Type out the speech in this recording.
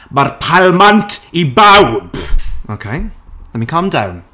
Mae'r palmant i bawb! OK? Let me calm down.